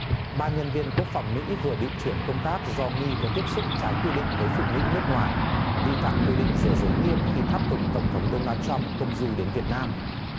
ba nhân viên quốc phòng mỹ vừa bị chuyển công tác do nghi có tiếp xúc trái quy định với phụ nữ nước ngoài vi phạm quy định giờ giới nghiêm khi tháp tùng tổng thống đôn na trăm công du đến việt nam